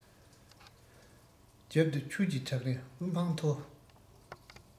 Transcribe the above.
རྒྱབ ཏུ ཆོས ཀྱི བྲག རི དབུ འཕང མཐོ